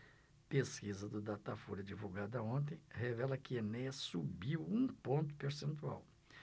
pesquisa do datafolha divulgada ontem revela que enéas subiu um ponto percentual